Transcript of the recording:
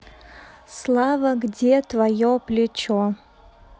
слава где твое плечо